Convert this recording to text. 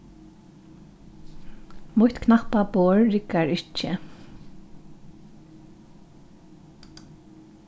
mítt knappaborð riggar ikki